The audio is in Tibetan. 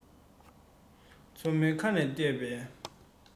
མཚོ མོའི ཁ ནས ལྟས པས